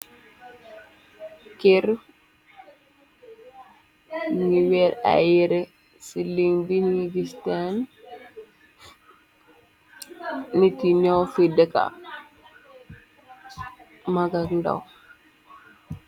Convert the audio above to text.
Keer ngi weer ay yere ci liñ bi ni gisten niti ñow fi dëkka magal ndaw.